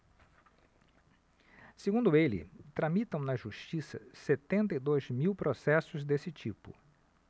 segundo ele tramitam na justiça setenta e dois mil processos desse tipo